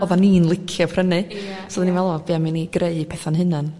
na... odda ni'n licio prynu... ia ia... so odda ni'n me'l wel be am i ni greu petha'n hunan